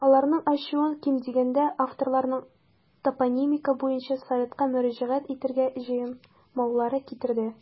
Аларның ачуын, ким дигәндә, авторларның топонимика буенча советка мөрәҗәгать итәргә җыенмаулары китерде.